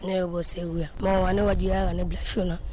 ne bɛ bɔ segu yan mɔgɔ ma ne wajibiya ka ne bila sun na